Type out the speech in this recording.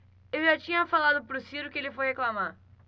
eu já tinha falado pro ciro que ele foi reclamar